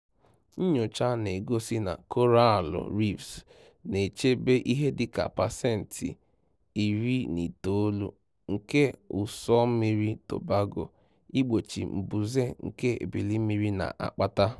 Nnyocha na-egosi na Koraalụ Reefs na-echebe ihe dị ka pasenti 90 nke ụsọ osimiri Tobago igbochi mbuze nke ebili mmiri na-akpata.